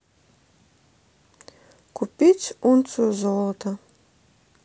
купить унцию золота